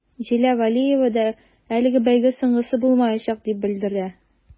Зилә вәлиева да әлеге бәйге соңгысы булмаячак дип белдерә.